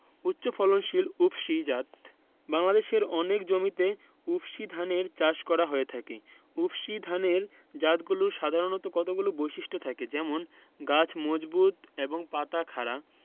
উচ্চফলনশীল উফশী জাতঃ বাংলাদেশের অনেক জমিতে উফশী ধানের চাষ করা হয়ে থাকে উফশী ধানের জাতগুলোর সাধারণ কতগুলো বৈশিষ্ট্য থাকে যেমনঃ গাছ মজবুত এবং পাতা খাড়া